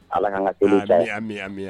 Ala k'an ka seliw caya! Ami ami